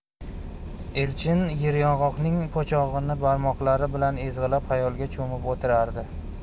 elchin yeryong'oqning po'chog'ini barmoqlari bilan ezg'ilab xayolga cho'mib o'tirardi